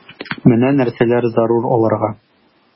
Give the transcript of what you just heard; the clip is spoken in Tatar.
Менә нәрсәләр зарур аларга...